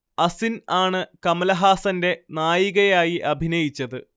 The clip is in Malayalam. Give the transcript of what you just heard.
അസിൻ ആണ് കമലഹാസന്റെ നായികയായി അഭിനയിച്ചത്